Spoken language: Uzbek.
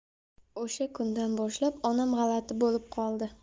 o'sha kundan boshlab onam g'alati bo'lib qoldi